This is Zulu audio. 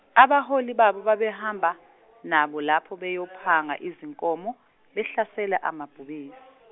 abaholi babo babehamba, nabo lapho beyophanga izinkomo, behlasela amabhubesi.